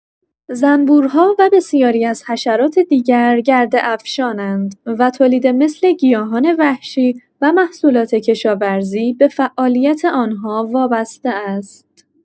زنبورها و بسیاری از حشرات دیگر گرده‌افشان‌اند و تولیدمثل گیاهان وحشی و محصولات کشاورزی به فعالیت آن‌ها وابسته است.